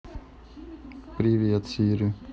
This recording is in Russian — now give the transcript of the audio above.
привет сири